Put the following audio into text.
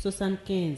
75